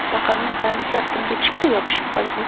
paqirning bandi kaftimga chippa yopishib qolgan